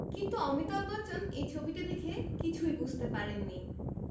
কিন্তু অমিতাভ বচ্চন এই ছবিটি দেখে কিছুই বুঝতে পারেননি